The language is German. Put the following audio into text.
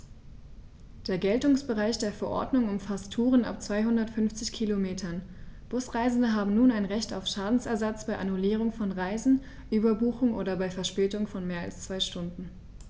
Der Geltungsbereich der Verordnung umfasst Touren ab 250 Kilometern, Busreisende haben nun ein Recht auf Schadensersatz bei Annullierung von Reisen, Überbuchung oder bei Verspätung von mehr als zwei Stunden.